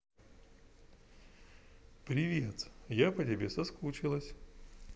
привет я по тебе соскучилась